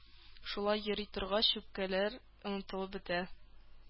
Шулай йөри торгач үпкәләр онытылып бетә.